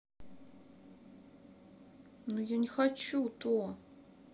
но я не хочу то